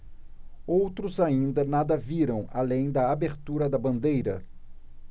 outros ainda nada viram além da abertura da bandeira